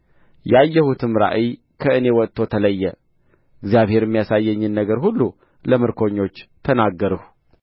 ያየሁትም ራእይ ከእኔ ወጥቶ ተለየ እግዚአብሔርም ያሳየኝን ነገር ሁሉ ለምርኮኞች ተናገርሁ